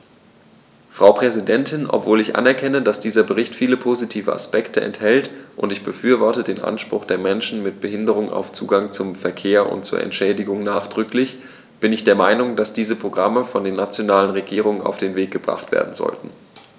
Frau Präsidentin, obwohl ich anerkenne, dass dieser Bericht viele positive Aspekte enthält - und ich befürworte den Anspruch der Menschen mit Behinderung auf Zugang zum Verkehr und zu Entschädigung nachdrücklich -, bin ich der Meinung, dass diese Programme von den nationalen Regierungen auf den Weg gebracht werden sollten.